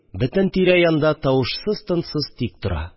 Бөтен тирә -янда тавышсыз-тынсыз тик тора